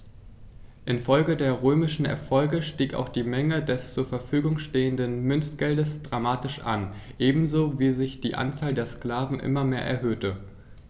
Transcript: Infolge der römischen Erfolge stieg auch die Menge des zur Verfügung stehenden Münzgeldes dramatisch an, ebenso wie sich die Anzahl der Sklaven immer mehr erhöhte.